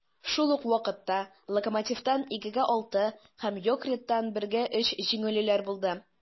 Шул ук вакытта "Локомотив"тан (2:6) һәм "Йокерит"тан (1:3) җиңелүләр булды.